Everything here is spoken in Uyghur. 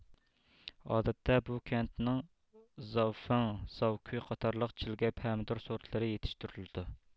ئادەتتە بۇ كەنىتتە زاۋفىڭ زاۋكۈي قاتارلىق چىلگە پەمىدۇر سورتلىرى يىتىشتۈرلىدۇ